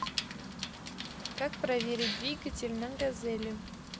как проверить двигатель на газели